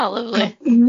O lyfli.